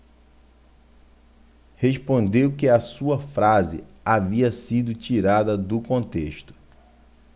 respondeu que a sua frase havia sido tirada do contexto